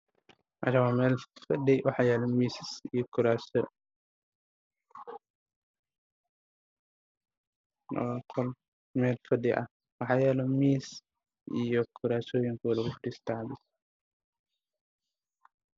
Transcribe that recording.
Waa meel qol ah maxaa yeele kuraas madow iyo miisas darbiga wajaale iyo cadays